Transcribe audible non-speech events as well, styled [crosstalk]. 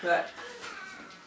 oui [crosstalk]